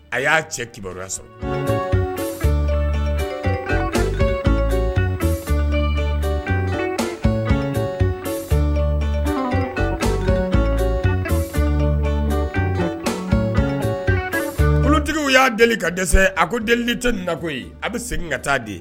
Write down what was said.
A y'a cɛ kibaruyaya sɔrɔ ptigi y'a deli ka dɛsɛ a ko deli ni tɛ ni ko ye a bɛ segin ka taa di